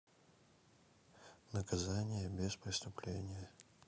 наказание без преступления